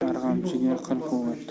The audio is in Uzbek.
arg'amchiga qil quvvat